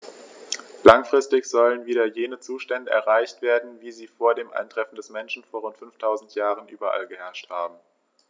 Langfristig sollen wieder jene Zustände erreicht werden, wie sie vor dem Eintreffen des Menschen vor rund 5000 Jahren überall geherrscht haben.